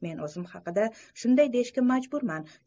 men o'z haqimda shunday deyishga majburman